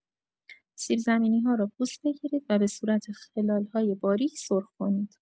سیب‌زمینی‌ها را پوست بگیرید و به صورت خلال‌های باریک سرخ کنید.